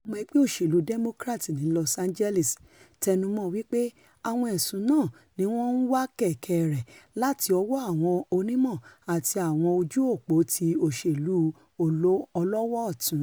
Ọmọ ẹgbẹ́ òṣèlú Democrat ní Los Angeles tẹnumọ́ ọn wí pé àwọn ẹ̀sùn náà níwọ́n ńwá kẹ̀kẹ́ rẹ̀ láti ọwọ́ àwọn onímọ̀ àti àwọn ojú-òpó ti ''òṣèlú ọlọ́wọ́-ọ̀tún''.